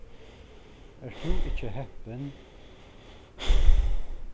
ert tú ikki heppin